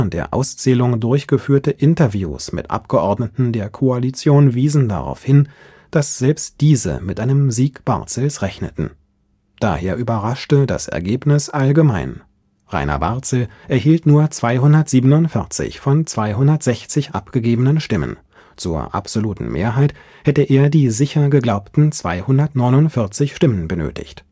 der Auszählung durchgeführte Interviews mit Abgeordneten der Koalition wiesen daraufhin, dass selbst diese mit einem Sieg Barzels rechneten. Daher überraschte das Ergebnis allgemein: Rainer Barzel erhielt nur 247 von 260 abgegebenen Stimmen, zur absoluten Mehrheit hätte er die sicher geglaubten 249 Stimmen benötigt